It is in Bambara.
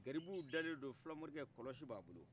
garibuw dalen do fulamorikɛ kɔlɔsi bɛ a bolo